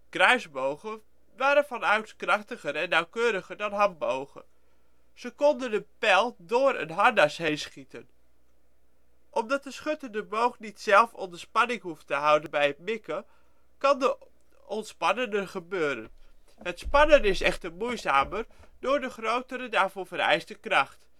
Kruisbogen waren vanouds krachtiger en nauwkeuriger dan handbogen, ze konden een pijl door een harnas heen schieten. Omdat de schutter de boog niet zelf onder spanning hoeft te houden bij het mikken kan dit ontspannener gebeuren. Het spannen is echter moeizamer door de grotere daarvoor vereiste kracht